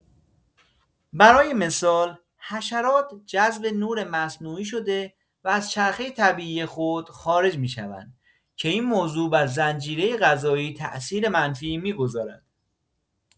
برای مثال، حشرات جذب نور مصنوعی شده و از چرخه طبیعی خود خارج می‌شوند که این موضوع بر زنجیره غذایی تاثیر منفی می‌گذارد.